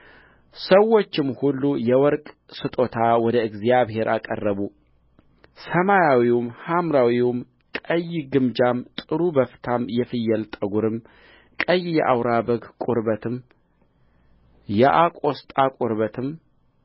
ሰዎችም ሁሉ የወርቅ ስጦታ ወደ እግዚአብሔር አቀረቡ ሰማያዊም ሐምራዊም ቀይ ግምጃም ጥሩ በፍታም የፍየል ጠጕርም ቀይ የአውራ በግ ቁርበትም የአቆስጣ ቁርበትም